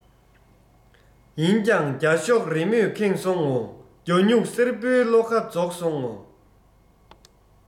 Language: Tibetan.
ཡིན ཀྱང རྒྱ ཤོག རི མོས ཁེངས སོང ངོ རྒྱ སྨྱུག གསེར པོའི བློ ཁ རྫོགས སོང ངོ